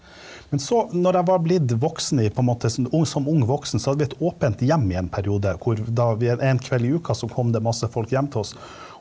men så når jeg var blitt voksen i på en måte som ung som ung voksen så hadde vi et åpent hjem i en periode, hvor da vi én kveld i uka så kom det masse folk hjem til oss.